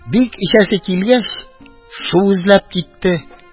Бик эчәсе килгәч, су эзләп китте.